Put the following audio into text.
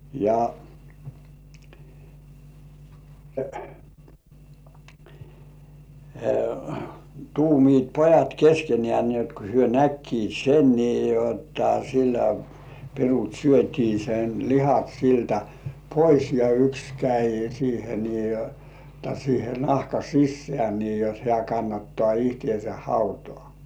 ja tuumivat pojat keskenään niin jotta kun he näkivät sen niin jotta sillä pirut syötiin sen lihat siltä pois ja yksi kävi siihen niin jotta siihen nahan sisään niin jotta hän kannattaa itsensä hautaan